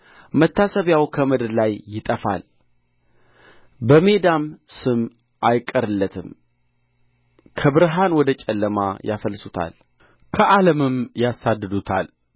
መታሰቢያው ከምድር ላይ ይጠፋል በሜዳም ስም አይቀርለትም ከብርሃን ወደ ጨለማ ያፈልሱታል ከዓለምም ያሳድዱታል